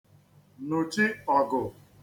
nùchi ọgụ